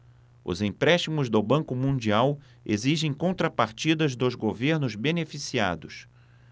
os empréstimos do banco mundial exigem contrapartidas dos governos beneficiados